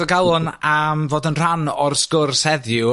Diolch o galon am fod yn rhan o'r sgwrs heddiw